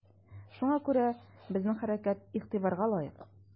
Шуңа күрә безнең хәрәкәт игътибарга лаек.